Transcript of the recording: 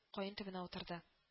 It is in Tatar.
Каен төбенә утырды